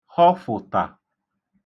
họfụ̀ta